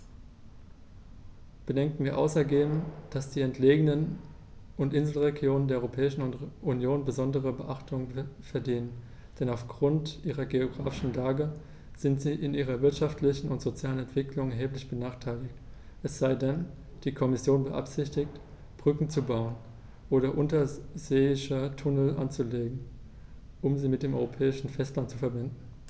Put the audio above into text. Bedenken wir außerdem, dass die entlegenen und Inselregionen der Europäischen Union besondere Beachtung verdienen, denn auf Grund ihrer geographischen Lage sind sie in ihrer wirtschaftlichen und sozialen Entwicklung erheblich benachteiligt - es sei denn, die Kommission beabsichtigt, Brücken zu bauen oder unterseeische Tunnel anzulegen, um sie mit dem europäischen Festland zu verbinden.